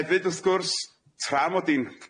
Hefyd wrth gwrs tra mod i'n